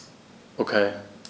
Okay.